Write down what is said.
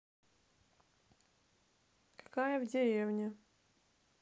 какая в деревне